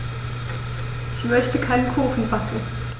Ich möchte einen Kuchen backen.